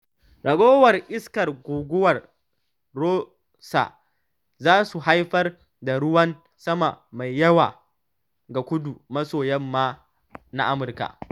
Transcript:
Ragowar iskar guguwar Rosa za su haifar da ruwan sama mai yawa ga kudu-maso-yamma na Amurka